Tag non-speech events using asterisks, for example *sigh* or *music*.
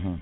*hesitation* *hesitation*